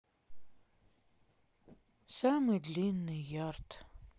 самый длинный ярд